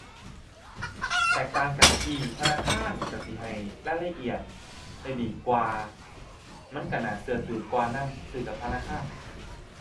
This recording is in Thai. แตกต่างกันที่ธนาคารก็สิให้รายละเอียดได้ดีกว่า มันก็น่าก็ถือกว่านำ ซื้อกับธนาคาร